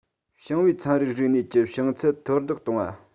ཞིང པའི ཚན རིག རིག གནས ཀྱི བྱང ཚད མཐོར འདེགས གཏོང བ